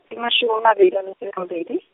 di mashome a mabedi a metso e robedi.